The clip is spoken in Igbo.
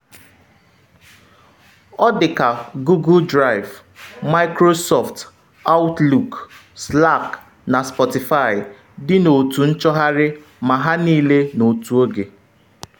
Ọ dị ka Google Drive, Microsoft Outlook, Slack na Spotify dị n’otu nchọgharị ma ha niile n’otu oge.